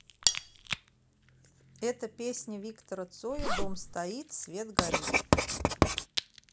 эта песня виктора цоя дом стоит свет горит